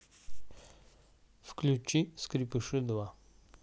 включи скрепыши два